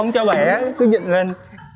không cho bẻ cứ dịn lên